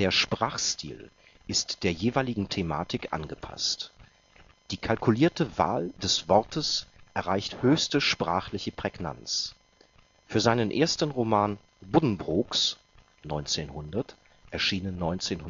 Sprachstil ist der jeweiligen Thematik angepasst. Die kalkulierte Wahl des Wortes erreicht höchste sprachliche Prägnanz. Für seinen ersten Roman Buddenbrooks (1900, erschienen 1901